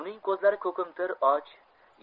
uning ko'zlari ko'kimtir och